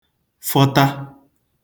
fọta